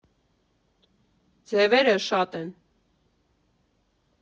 Ձևերը շատ են։